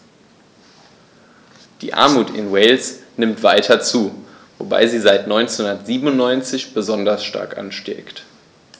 Die Armut in Wales nimmt weiter zu, wobei sie seit 1997 besonders stark ansteigt.